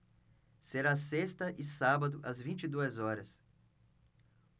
será sexta e sábado às vinte e duas horas